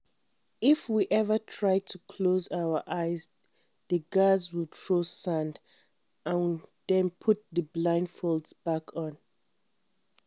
If we ever tried to close our eyes, the guards would throw sand. And then put the blindfolds back on.